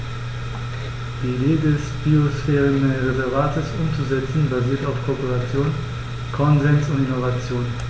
Die Idee des Biosphärenreservates umzusetzen, basiert auf Kooperation, Konsens und Innovation.